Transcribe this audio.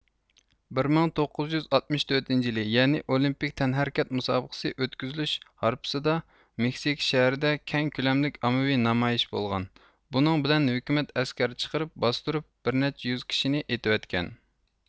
بىر مىڭ توققۇز يۈز ئاتمىش تۆتىنچى يىلى يەنى ئولىمپېك تەنھەرىكەت مۇسابىقىسى ئۆتكۈزۈلۈش ھارپىسىدا مېكسىكا شەھىرىدە كەڭ كۆلەملىك ئاممىۋى نامايىش بولغان بۇنىڭ بىلەن ھۆكۈمەت ئەسكەر چىقىرىپ باستۇرۇپ بىر نەچچە يۈز كىشىنى ئېتىۋەتكەن